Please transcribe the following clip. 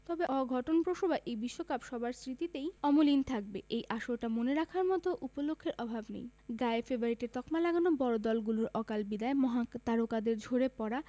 তবে অঘটনপ্রসবা এই বিশ্বকাপ সবার স্মৃতিতেই অমলিন থাকবে এই আসরটা মনে রাখার মতো উপলক্ষের অভাব নেই গায়ে ফেভারিটের তকমা লাগানো বড় দলগুলোর অকাল বিদায় মহাতারকাদের ঝরে পড়া